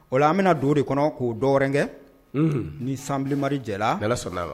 O la an bena don o de kɔnɔ k'o dɔwɛrɛn kɛ unhun Sanbilemadi jɛlaa ni Ala sɔnn'a ma